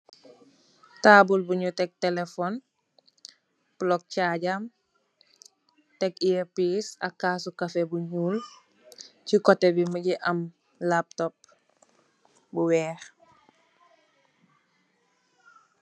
Tabull bu ñu tek telephone plug chaajam tèk eeya piis ak kassu kafèh bu ñuul ci koteh bi mugii am laptop.